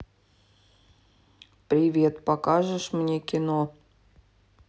привет покажешь мне кино